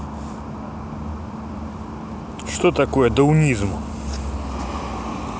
что такое даунизм